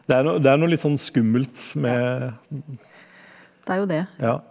det er noe det er noe litt sånn skummelt med ja.